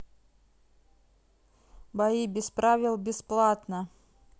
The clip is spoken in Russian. бои без правил бесплатно